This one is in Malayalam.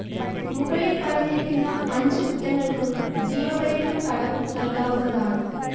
മുകളിൽ പറഞ്ഞിരിക്കുന്ന അഞ്ചു കുറ്റങ്ങൾക്കും ജീവപര്യന്തം തടവും നൽകാവുന്നതാണ്